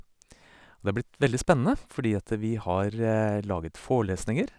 Det har blitt veldig spennede, fordi at vi har laget forelesninger.